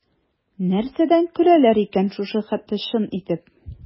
Нәрсәдән көләләр икән шушы хәтле чын итеп?